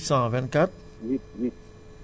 824